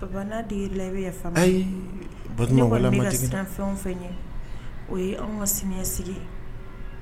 Papa n'a digir'i la i yafa n ma, ayi batɔɔma walahi n ma dimi dɛ, ne kɔni bɛ siran fɛn o fɛn ɲɛ o ye anw ka siniɲɛsigi ye,